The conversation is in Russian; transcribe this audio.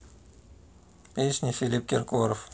песни филипп киркоров